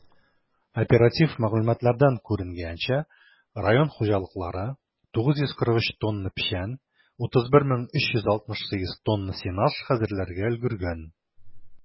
Оператив мәгълүматлардан күренгәнчә, район хуҗалыклары 943 тонна печән, 31368 тонна сенаж хәзерләргә өлгергән.